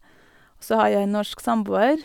Og så har jeg norsk samboer.